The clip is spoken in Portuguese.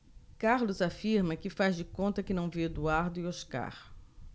carlos afirma que faz de conta que não vê eduardo e oscar